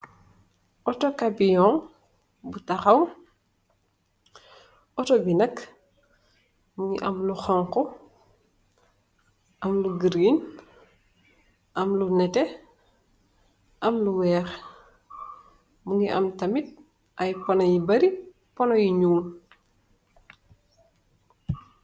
Auto kamiyun bu tahaw auto bi nak mogi am lu xonxu am lu green am lu neteh am lu weex mogi am tamit ay porno yu bari porno yu nuul.